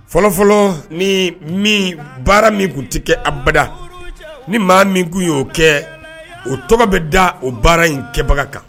Fɔlɔfɔlɔ ni min baara min kun ti kɛ abada. Ni maa min kun yo kɛ o tɔgɔ bɛ da o baara in kɛbaga kan.